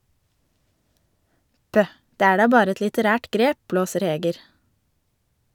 - Pøh, det er da bare et litterært grep, blåser Heger.